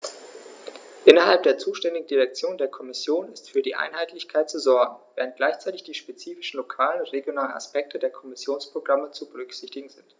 Innerhalb der zuständigen Direktion der Kommission ist für Einheitlichkeit zu sorgen, während gleichzeitig die spezifischen lokalen und regionalen Aspekte der Kommissionsprogramme zu berücksichtigen sind.